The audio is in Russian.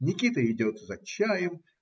Никита идет за чаем.